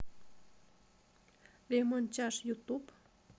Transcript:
ремонтяж ютуб